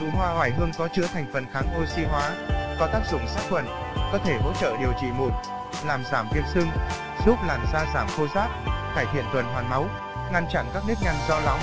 nụ hoa oải hương có chứa thành phần kháng oxy hóa có tác dụng sát khuẩn có thể hỗ trợ điều trị mụn làm giảm viêm sưng giúp làn da giảm khô ráp cải thiện tuần hoàn máu ngăn chặn các nếp nhăn do lão hóa